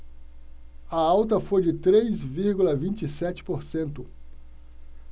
a alta foi de três vírgula vinte e sete por cento